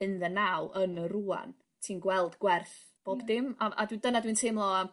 in the now yn y rŵan ti'n gweld gwerth bob dim a m- a dyna dwi'n teimlo am